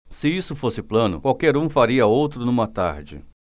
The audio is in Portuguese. se isso fosse plano qualquer um faria outro numa tarde